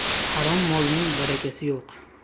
harom molning barakasi yo'q